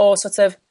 o sort of